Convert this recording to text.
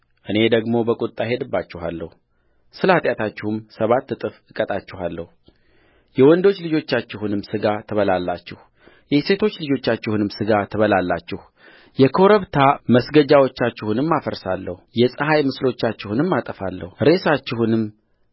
እኔ ደግሞ በቍጣ እሄድባችኋለሁ ስለ ኃጢአታችሁም ሰባት እጥፍ እቀጣችኋለሁየወንዶች ልጆቻችሁንም ሥጋ ትበላላችሁ የሴቶች ልጆቻችሁንም ሥጋ ትበላላችሁየኮረብታ መስገጃዎቻችሁንም አፈርሳለሁ የፀሐይ ምስሎቻችሁንም አጠፋለሁ ሬሳችሁንም